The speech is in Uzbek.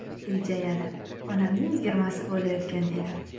iljayadi onamning yigirmasi bo'layotgan edi